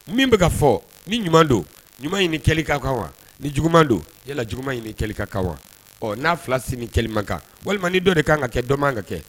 Min bɛka ka fɔ ni ɲuman don ɲuman ɲini kɛkan kan wa ni juguman don yala jugu ɲini kɛka kan wa ɔ n'a fila sen ni kan walima dɔ de kan ka kɛ dɔn ka kɛ